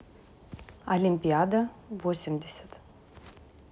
олимпиада восемьдесят